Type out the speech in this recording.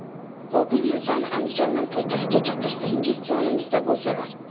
bobur mirzoni andijondan poytaxtga chaqirtirsangiz yonimizda bo'lsalar